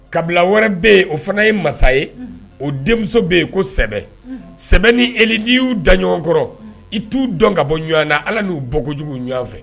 Kabila wɛrɛ bɛ yen o fana ye masa ye o denmuso bɛ yen ko sɛ sɛbɛn ni e n'i y'u da ɲɔgɔnkɔrɔ i t'u dɔn ka bɔ ɲɔgɔn na ala n'u bɔjugu ɲɔgɔn fɛ